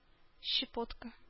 Щепотка